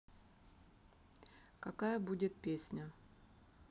какая будет песня